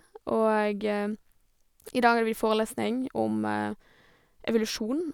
Og i dag hadde vi forelesning om evolusjon.